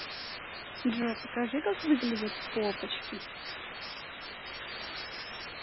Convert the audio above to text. джой покажи как выглядит попочки